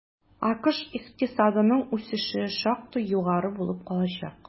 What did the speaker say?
АКШ икътисадының үсеше шактый югары булып калачак.